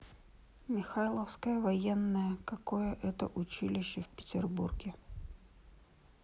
михайловская военное какое это училище в петербурге